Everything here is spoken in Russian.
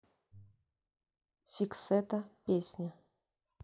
фиксетта песня